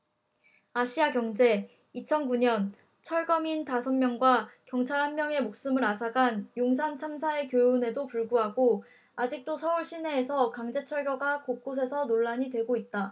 아시아경제 이천 구 년 철거민 다섯 명과 경찰 한 명의 목숨을 앗아간 용산참사의 교훈에도 불구하고 아직도 서울 시내에서 강제철거가 곳곳에서 논란이 되고 있다